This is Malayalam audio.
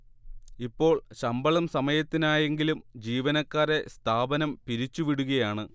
ഇപ്പോൾ ശമ്പളം സമയത്തിനായെങ്കിലും ജീവനക്കാരെ സ്ഥാപനം പിരിച്ചുവിടുകയാണ്